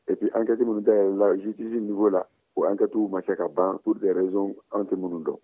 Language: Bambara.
et puis ankɛti minnu dayɛlɛla jisitisi niwo la o ankɛtiw ma se ka ban pour des raisons anw tɛ minnu dɔn